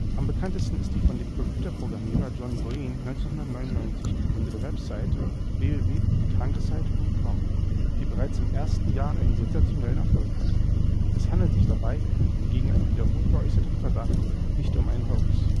Am bekanntesten ist die von dem Computerprogrammierer John Breen 1999 gegründete Website http://www.hungersite.com, die bereits im ersten Jahr einen sensationellen Erfolg hatte. Es handelt sich dabei – entgegen einem wiederholt geäußertem Verdacht – nicht um einen Hoax